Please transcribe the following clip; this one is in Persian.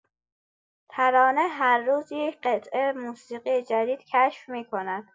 ترانه هر روز یک قطعه موسیقی جدید کشف می‌کند.